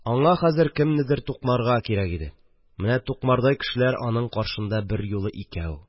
Аңа хәзер кемнедер тукмарга кирәк иде, менә тукмардай кешеләр аның каршында берьюлы икәү